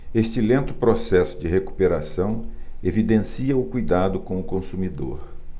este lento processo de recuperação evidencia o cuidado com o consumidor